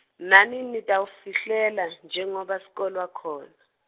nani nitawafihlela, njengoba sikolwa khona.